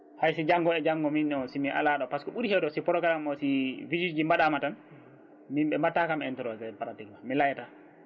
haysi janggo e janggo min o somi ala ɗo par ce que ko ɓuuri hewde si programme si vigile ji ɗi mbaɗama tan min ɓe mbatta kam interrogé pratiquement mi layata